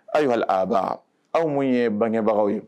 Ayiwa ayiwa a aw mun ye bangebagaw ye